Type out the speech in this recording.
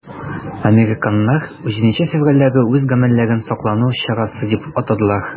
Американнар 7 февральдәге үз гамәлләрен саклану чарасы дип атадылар.